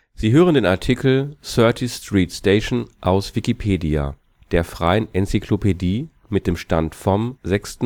Sie hören den Artikel Philadelphia 30th Street Station, aus Wikipedia, der freien Enzyklopädie. Mit dem Stand vom Der